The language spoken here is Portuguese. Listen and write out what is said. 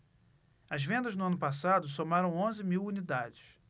as vendas no ano passado somaram onze mil unidades